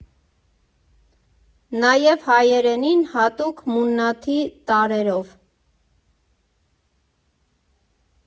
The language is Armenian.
Նաև հայերենին հատուկ մուննաթի տարրերով։